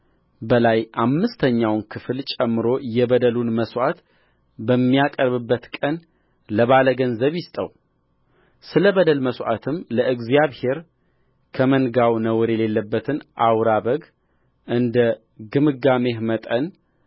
በላይ አምስተኛውን ክፍል ጨምሮ የበደሉን መሥዋዕት በሚያቀርብበት ቀን ለባለ ገንዘቡ ይስጠውስለ በደል መሥዋዕትም ለእግዚአብሔር ከመንጋው ነውር የሌለበትን አውራ በግ እንደ ግምጋሜህ መጠን